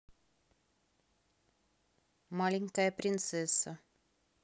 маленькая принцесса